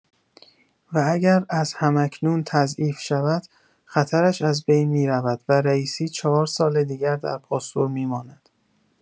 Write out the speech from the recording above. و اگر از هم‌اکنون تضعیف شود، خطرش از بین می‌رود و رئیسی ۴ سال دیگر در پاستور می‌ماند.